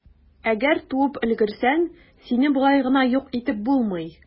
Әгәр туып өлгерсәң, сине болай гына юк итеп булмый.